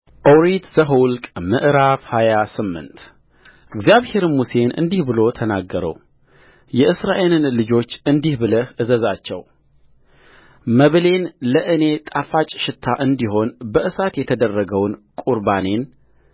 ኦሪት ዘኍልቍ ምዕራፍ ሃያ ስምንት እግዚአብሔርም ሙሴን እንዲህ ብሎ ተናገረውየእስራኤልን ልጆች እንዲህ ብለህ እዘዛቸው መብሌን ለእኔ ጣፋጭ ሽታ እንዲሆን በእሳት የተደረገውን ቍርባኔን